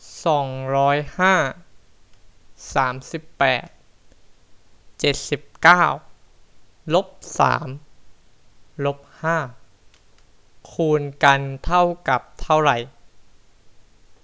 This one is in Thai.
สองร้อยห้าสามสิบแปดเจ็ดสิบเก้าลบสามลบห้าคูณกันเท่ากับเท่าไหร่